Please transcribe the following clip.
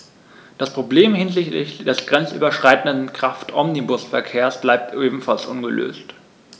Das Problem hinsichtlich des grenzüberschreitenden Kraftomnibusverkehrs bleibt ebenfalls ungelöst.